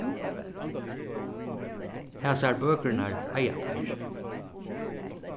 hasar bøkurnar eiga teir